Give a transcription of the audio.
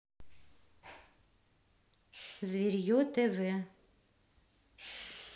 зверье тв